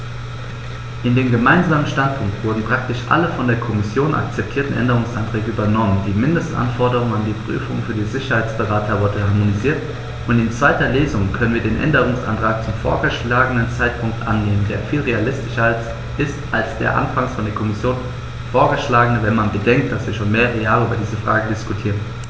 In den gemeinsamen Standpunkt wurden praktisch alle von der Kommission akzeptierten Änderungsanträge übernommen, die Mindestanforderungen an die Prüfungen für die Sicherheitsberater wurden harmonisiert, und in zweiter Lesung können wir den Änderungsantrag zum vorgeschlagenen Zeitpunkt annehmen, der viel realistischer ist als der anfangs von der Kommission vorgeschlagene, wenn man bedenkt, dass wir schon mehrere Jahre über diese Frage diskutieren.